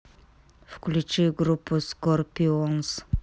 включи группу скорпионс